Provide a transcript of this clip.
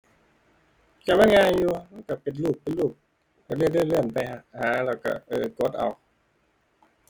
ก็มันง่ายอยู่ มันก็เป็นรูป เป็นรูป ก็เลื่อนเลื่อนเลื่อนไปหาแล้วก็ เออ กดเอา